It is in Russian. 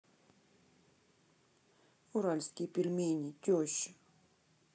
уральские пельмени теща